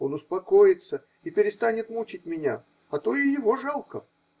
Он успокоится и перестанет мучить меня. А то и его жалко.